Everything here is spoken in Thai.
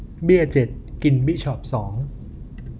เบี้ยเจ็ดกินบิชอปสอง